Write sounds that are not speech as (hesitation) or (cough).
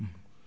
(hesitation) (hesitation)